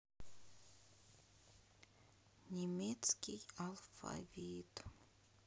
немецкий алфавит